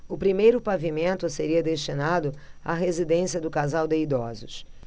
o primeiro pavimento seria destinado à residência do casal de idosos